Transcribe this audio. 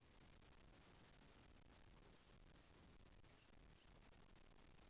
малыш ты сегодня тупишь или что